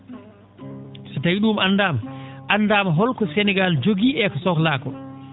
so tawii ?uum anndaama anndaama holko Sénégal jogii e ko sohlaa koo